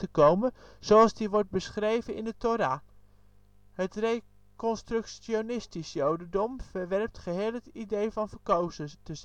komen zoals die wordt beschreven in de Thora. Het Reconstructionistisch jodendom verwerpt geheel het idee van verkozen